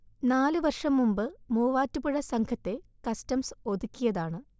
നാലു വർഷം മുമ്പ് മൂവാറ്റുപുഴ സംഘത്തെ കസ്റ്റംസ് ഒതുക്കിയതാണ്